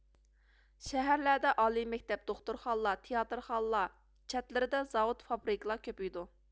شەھەرلەردە ئالىي مەكتەپ دوختۇرخانىلار تىياتىرخانىلار چەتلىرىدە زاۋۇت فابرىكىلار كۆپىيىدۇ